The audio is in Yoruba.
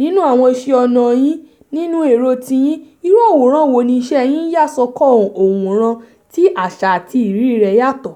nínú àwọn iṣẹ́ ọnà yín, nínú èrò tiyin, irú àwòrán wo ni iṣẹ́ yín ń yà sọ́kàn òǹwòrán tí àṣà àti ìrírí rẹ̀ yàtọ̀?